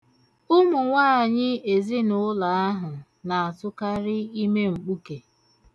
Ụmụ nwaanyị ezinụụlọ ahụ na-atụkarị ime mkpuke.